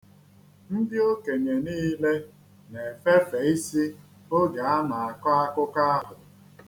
Ndị okenye niile na-efefe n'isi oge a na-akọ akụkọ ahụ.